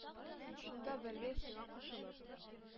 Шунда бергә, сиңа кушылып?